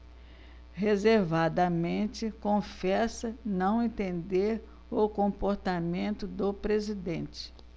reservadamente confessa não entender o comportamento do presidente